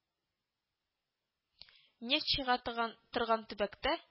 Нефть чыга тыган торган төбәктә